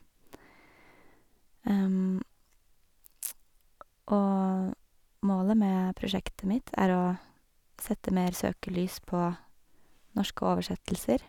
Og målet med prosjektet mitt er å sette mer søkelys på norske oversettelser.